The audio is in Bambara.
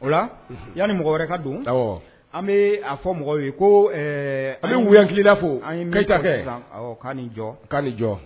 O la yanani mɔgɔ wɛrɛ ka don ɔ an bɛ a fɔ mɔgɔw ye ko an bɛ wkilida fo an bɛta k' ni jɔ k' ni jɔ